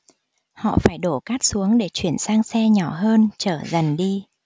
họ phải đổ cát xuống để chuyển sang xe nhỏ hơn chở dần đi